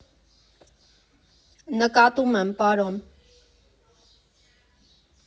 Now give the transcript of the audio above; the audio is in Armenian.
֊ Նկատում եմ, պարոն…